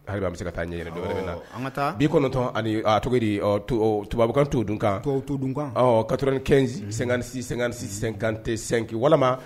Hali a bɛ se ka taa n ɲɛɛrɛ dɛ min na an bi kɔnɔntɔn ali cogodi to tubabukan to dun kan to tu dun kato nisisɛte senki walima